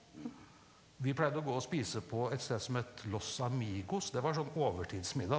vi pleide å gå og spise på et sted som het Los Amigos, det var sånn overtidsmiddag.